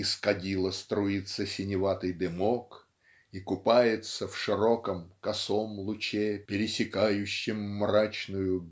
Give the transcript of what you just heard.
"Из кадила струится синеватый дымок и купается в широком косом луче пересекающем мрачную